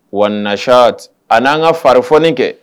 Wya ani n'an ka farif kɛ